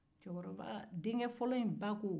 cɛkɔrɔba denkɛ fɔlɔ in ba ko